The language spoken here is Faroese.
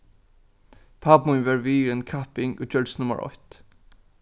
pápi mín var við í eini kapping og gjørdist nummar eitt